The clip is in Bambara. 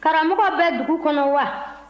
karamɔgɔ bɛ dugu kɔnɔ wa